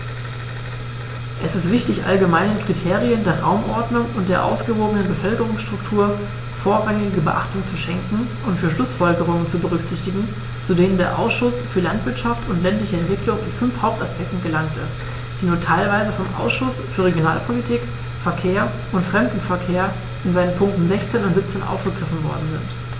Es ist wichtig, allgemeinen Kriterien der Raumordnung und der ausgewogenen Bevölkerungsstruktur vorrangige Beachtung zu schenken und die Schlußfolgerungen zu berücksichtigen, zu denen der Ausschuss für Landwirtschaft und ländliche Entwicklung in fünf Hauptaspekten gelangt ist, die nur teilweise vom Ausschuss für Regionalpolitik, Verkehr und Fremdenverkehr in seinen Punkten 16 und 17 aufgegriffen worden sind.